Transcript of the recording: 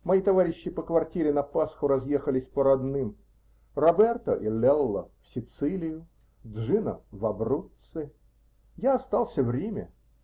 Мои товарищи по квартире на Пасху разъехались по родным: Роберто и Лелло в Сицилию, Джино в Абруцци. Я остался в Риме.